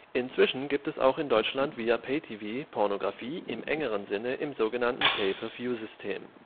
Inzwischen gibt es auch in Deutschland via Pay-TV Pornografie im engeren Sinne im so genannten Pay-per-View-System